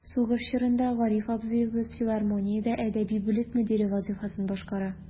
Сугыш чорында Гариф абзыебыз филармониядә әдәби бүлек мөдире вазыйфасын башкара.